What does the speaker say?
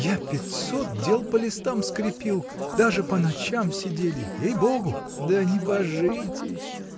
Я пятьсот дел по листам скрепил. Даже по ночам сидели. ей-богу. — Да не божитесь!